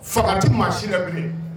Fagati maa si yɛrɛ bilen